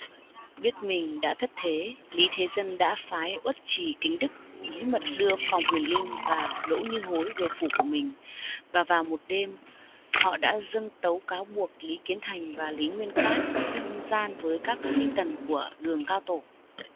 biết mình đã thất thế lý thế dân đã phái uất trì kính đức bí mật đưa phòng huyền linh và đỗ như hối về phủ của mình và vào một đêm họ đã dâng tấu cáo buộc lý kiến thành và lý nguyên cát thông gian với các phi tần của đường cao tổ